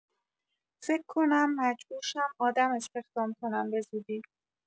فک کنم مجبور شم آدم استخدام کنم به‌زودی